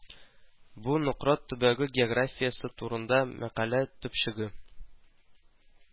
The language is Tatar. Бу Нократ төбәге географиясе турында мәкалә төпчеге